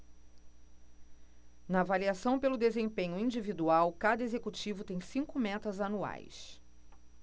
na avaliação pelo desempenho individual cada executivo tem cinco metas anuais